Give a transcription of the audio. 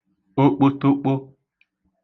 okpotokpo